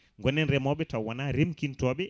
gonen reemoɓe taw wona remkintoɓe